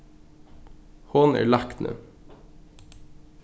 hon er lækni